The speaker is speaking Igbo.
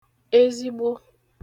ezigbo